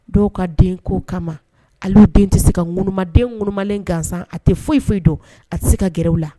Dɔw ka den ko kama olu den tɛ se ka ŋunden ŋunumalen gansan a tɛ foyi foyi don a tɛ se ka gɛrɛw la